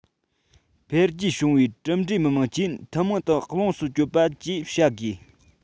འཕེལ རྒྱས བྱུང བའི གྲུབ འབྲས མི དམངས ཀྱིས ཐུན མོང དུ ལོངས སུ སྤྱོད པ བཅས བྱ དགོས